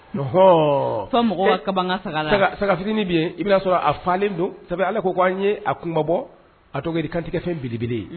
Nɔ sagaftiniinin bɛ i'a sɔrɔ a falen don sabu ala ko k' an ye a kuma bɔ a tɔgɔ i kantigɛ fɛn belebele ye